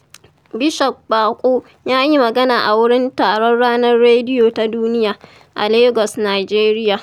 Bishop Bako ya yi magana a wurin taron Ranar Rediyo Ta Duniya, a Lagos Nijeriya,